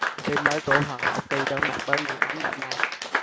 phim mới của hoàng hậu ki đối mặt với nghi án đạo nhái